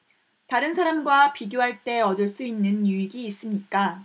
다른 사람과 비교할 때 얻을 수 있는 유익이 있습니까